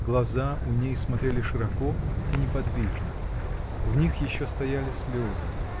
Глаза у ней смотрели широко и неподвижно. В них еще стояли слезы.